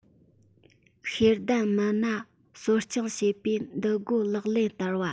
ཤེས ལྡན མི སྣ གསོ སྐྱོང བྱེད པའི འདུ འགོད ལག ལེན བསྟར བ